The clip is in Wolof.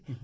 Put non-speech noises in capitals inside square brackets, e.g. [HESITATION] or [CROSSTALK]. [HESITATION] [HESITATION]